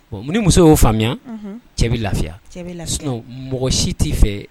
Ni muso y'o faamuya, unhun cɛ bɛ lafiya, cɛ bɛ lafiya sinon mɔgɔ si t'i fɛ